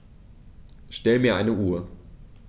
Stell mir eine Uhr.